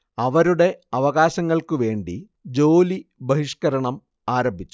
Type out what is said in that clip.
അവരുടെ അവകാശങ്ങൾക്കു വേണ്ടി ജോലി ബഹിഷ്കരണം ആരംഭിച്ചു